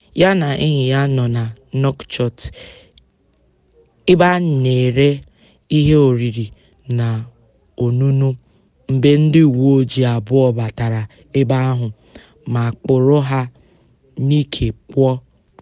Ya na enyi ya nọ na Nouakchott ebe a na-ere ihe oriri na ọṅụṅụ mgbe ndị uweojii abụọ batara ebe ahụ ma kpụrụ ha n'ike pụọ.